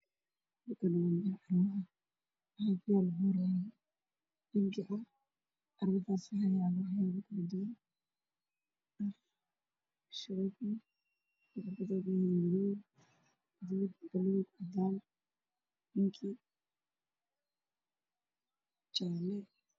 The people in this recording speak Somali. Meeshaan waa carwo waxaa iga muuqda dhar farabadan oo la iibinayo albaabka waa dhalo